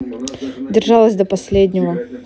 держалась до последнего